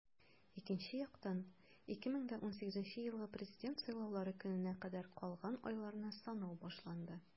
Икенче яктан - 2018 елгы Президент сайлаулары көненә кадәр калган айларны санау башланды.